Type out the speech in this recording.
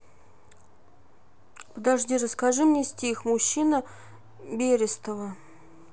подожди расскажи мне стих мужчина берестова